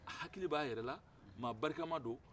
a hakili b'a yɛrɛ la maa barikama don